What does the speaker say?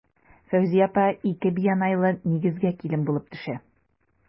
Фәүзия апа ике бианайлы нигезгә килен булып төшә.